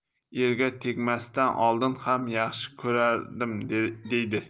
erga tegmasidan oldin ham yaxshi ko'rardim deydi